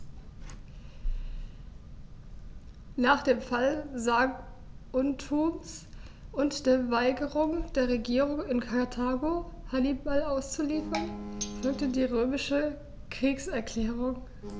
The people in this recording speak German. Nach dem Fall Saguntums und der Weigerung der Regierung in Karthago, Hannibal auszuliefern, folgte die römische Kriegserklärung.